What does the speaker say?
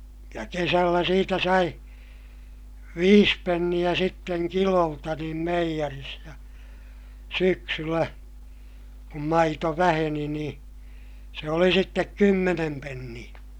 ja kesällä siitä sai viisi penniä sitten kilolta niin meijerissä ja syksyllä kun maito väheni niin se oli sitten kymmenen penniä